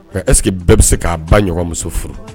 Nka ɛsseke bɛɛ bɛ se k'a ba ɲɔgɔnmuso furu